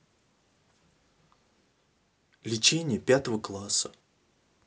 лечение пятого класса